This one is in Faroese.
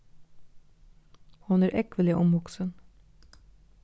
hon er ógvuliga umhugsin